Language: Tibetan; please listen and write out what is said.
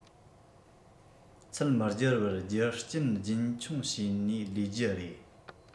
ཚུལ མི སྒྱུར བར རྒྱུ རྒྱུན འཁྱོངས བྱས ནས ལས རྒྱུ རེད